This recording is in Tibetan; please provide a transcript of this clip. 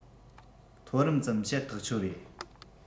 མཐོ རིམ ཙམ བཤད ཐག ཆོད རེད